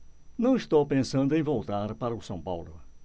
não estou pensando em voltar para o são paulo